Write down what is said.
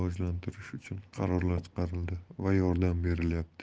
rivojlantirish uchun qarorlar chiqarildi va yordam berilyapti